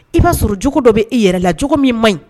I b'a sɔrɔ jugu dɔ bɛ i yɛrɛ la jugu min man ɲi